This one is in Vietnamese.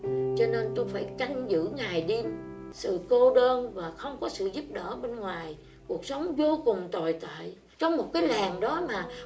nên tui phải canh giữ ngày đêm sự cô đơn và không có sự giúp đỡ bên ngoài cuộc sống dô cùng tồi tệ trong một cái làng đó mà